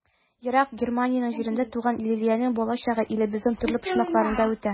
Ерак Германия җирендә туган Лилиянең балачагы илебезнең төрле почмакларында үтә.